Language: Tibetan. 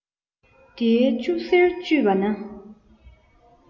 དེའི གཅུ གཟེར གཅུས པ ན